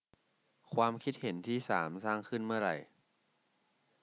ความคิดเห็นที่สามสร้างขึ้นเมื่อไร